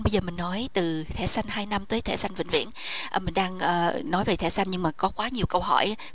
bây giờ mình nói từ thẻ xanh hai năm tới thẻ xanh vĩnh viễn minh đang ờ nói về thẻ xanh nhưng mà có quá nhiều câu hỏi